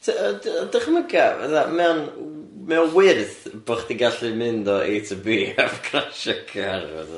Ty- yy dy- dychmyga fatha mae o'n w- mae o'n wyrth bo' chdi'n gallu mynd o A to Bee heb crasho car.